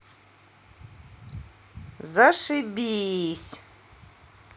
зашибись